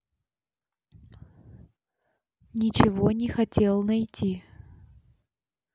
ничего не хотел найти